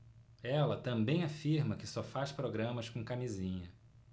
ela também afirma que só faz programas com camisinha